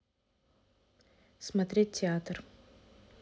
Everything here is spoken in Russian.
смотреть театр